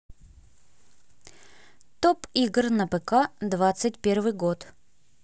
топ игр на пк двадцать первый год